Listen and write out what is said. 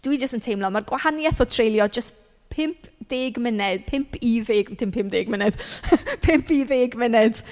Dwi jyst yn teimlo, mae'r gwahaniaeth o treulio jyst pump deg munud... pump i ddeg dim pumdeg munud! Pump i ddeg munud.